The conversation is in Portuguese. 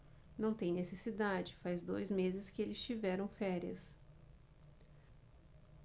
não tem necessidade faz dois meses que eles tiveram férias